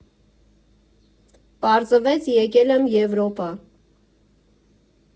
Պարզվեց՝ եկել եմ Եվրոպա։